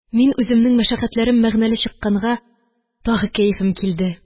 Мин үземнең мәшәкатьләрем мәгънәле чыкканга, тагы кәефем килде